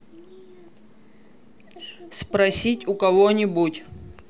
спроси у кого нибудь